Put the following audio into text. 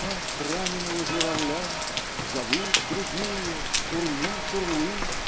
Так раненого журавля Зовут другие курлы, курлы!